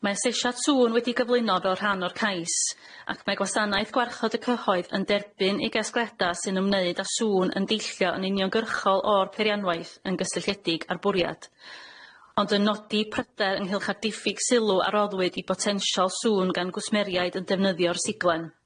Mae asesiad sŵn wedi gyflwyno fel rhan o'r cais ac mae gwasanaeth gwarchod y cyhoedd yn derbyn i gesgliada sy'n ymwneud â sŵn yn deillio yn uniongyrchol o'r peirianwaith yn gysylltiedig â'r bwriad ond yn nodi pryder ynghylch a diffyg sylw a roddwyd i botensial sŵn gan gwsmeriaid yn defnyddio'r siglen.